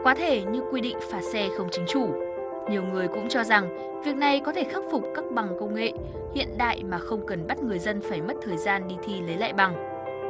quá thể như quy định phạt xe không chính chủ nhiều người cũng cho rằng việc này có thể khắc phục các bằng công nghệ hiện đại mà không cần bắt người dân phải mất thời gian đi thi lấy lại bằng